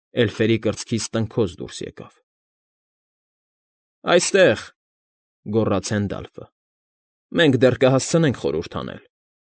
Էլֆերի կրծքից տնքոց դուրս թռավ։ ֊ Այստե՜ղ,֊ գոռաց Հենդալֆը։֊ Մենք դեռ կհասցնենք խորհուրդ անել։